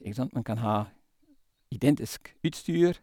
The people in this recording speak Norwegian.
Ikke sant, man kan ha identisk utstyr.